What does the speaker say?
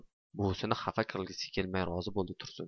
buvisini xafa qilgisi kelmay rozi bo'ldi tursun